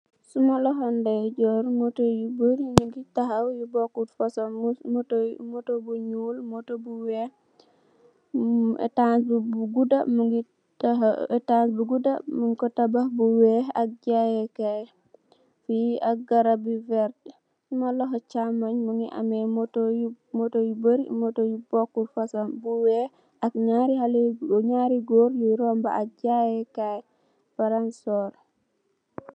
Suma loho ndejor mot yu baari nungi tahaw yu bogut fasung. Moto bu ñuul, Moto bu weeh, etans bu gudda mung ko tabah bu weeh ak jaayekaay fi ak garab yu vert. Suma loho chàmoñ mungi ameh moto yu bari, moto yu bogut fasung bu weeh ak naari haley góor, naari gòor yi romba ak jaayekaay palansor.